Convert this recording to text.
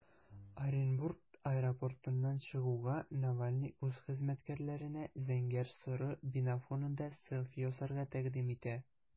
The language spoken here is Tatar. Оренбург аэропортыннан чыгуга, Навальный үз хезмәткәрләренә зәңгәр-соры бина фонында селфи ясарга тәкъдим итә.